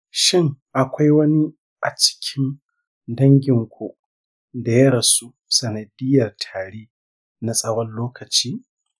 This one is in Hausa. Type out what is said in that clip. shin akwai wani a cikin danginku da ya rasu sanadiyyar tari na tsawon lokaci?